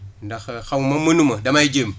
ndax xaw ma mënu ma damay jéem